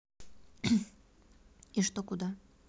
и что куда